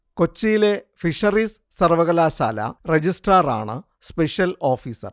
കൊച്ചിയിലെ ഫിഷറീസ് സർവകലാശാല രജിസ്ട്രാറാണ് സ്പെഷ്യൽ ഓഫീസർ